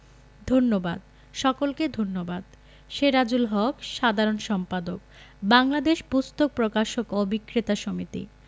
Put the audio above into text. ধন্যবাদ সকলকে ধন্যবাদ সেরাজুল হক সাধারণ সম্পাদক বাংলাদেশ পুস্তক প্রকাশক ও বিক্রেতা সমিতি